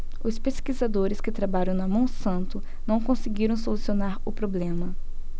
os pesquisadores que trabalham na monsanto não conseguiram solucionar o problema